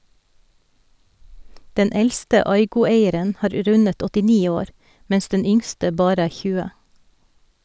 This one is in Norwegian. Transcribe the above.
Den eldste Aygo-eieren har rundet åttini år, mens den yngste bare er tjue.